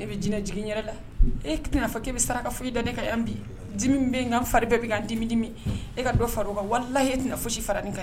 E bɛ jinɛ jigin i yɛrɛ la, e tɛ n'a fɔ k' e bɛ saraka fosi dan ne ka yan bi dimi min bɛ ka fari bɛɛ bɛ k'an dimi dimi, e ka dɔ far'o kan walahi e tɛna fosi fara ni kan.